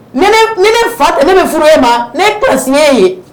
Fa ne furu e ban ne ka si ye